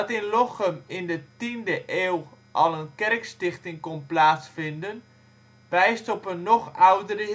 in Lochem in de 10e eeuw al een kerkstichting kon plaatsvinden, wijst op een nog oudere